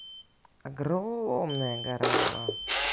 огромная гора была